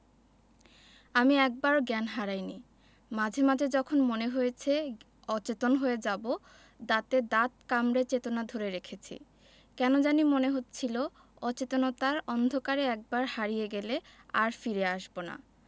আমি একবারও জ্ঞান হারাইনি মাঝে মাঝে যখন মনে হয়েছে অচেতন হয়ে যাবো দাঁতে দাঁত কামড়ে চেতনা ধরে রেখেছি কেন জানি মনে হচ্ছিলো অচেতনতার অন্ধকারে একবার হারিয়ে গেলে আর ফিরে আসবো না